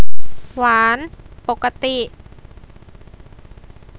หวานปกติ